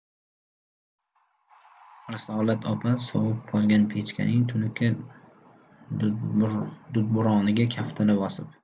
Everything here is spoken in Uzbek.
risolat opa sovib qolgan pechkaning tunuka dudburoniga kaftini bosib